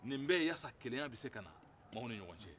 nin bɛɛ ye walasa kelenye bɛ se ka na maaw ni ɲɔgɔn cɛ